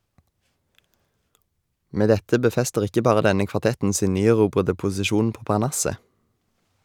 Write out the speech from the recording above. Med dette befester ikke bare denne kvartetten sin nyerobrede posisjon på parnasset.